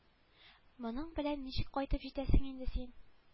Моның белән ничек кайтып җитәсең инде син